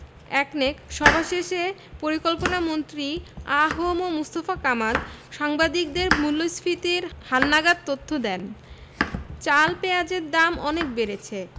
একনেক সভা শেষে পরিকল্পনামন্ত্রী আ হ ম মুস্তফা কামাল সাংবাদিকদের মূল্যস্ফীতির হালনাগাদ তথ্য দেন চাল পেঁয়াজের দাম অনেক বেড়েছে